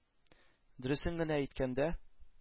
Дөресен генә әйткәндә,